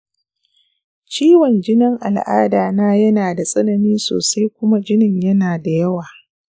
ciwon jinin al’ada na yana da tsanani sosai kuma jinin yana da yawa.